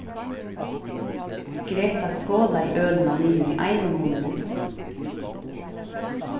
greta skolaði ølina niður í einum munni